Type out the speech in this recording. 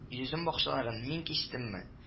Йөзем бакчаларын мин кистемме